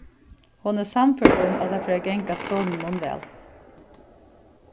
hon er sannførd um at tað fer at gangast soninum væl